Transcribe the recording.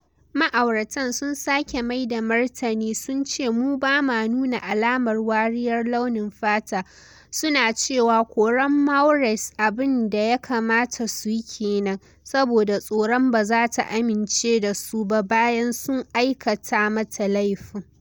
Ma'auratan sun sake mai da martani sunce mu ba ma nuna alamun wariyar launin fata, su na cewa koran Maurice abin da ya kamata su yi kenan, saboda tsoron ba za ta amince da su ba bayan sun aikata mata laifin.